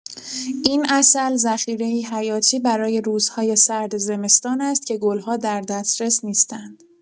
این عسل ذخیره‌ای حیاتی برای روزهای سرد زمستان است که گل‌ها در دسترس نیستند.